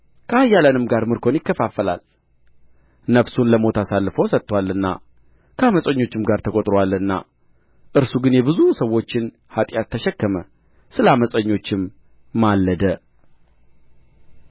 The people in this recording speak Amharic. ከኃያላንም ጋር ምርኮን ይከፋፈላል ነፍሱን ለሞት አሳልፎ ሰጥቶአልና ከዓመፀኞችም ጋር ተቈጥሮአልና እርሱ ግን የብዙ ሰዎችን ኃጢአት ተሸከመ ስለ ዓመፀኞችም ማለደ